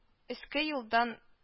Ске юлдан